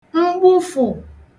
mgbufụ̀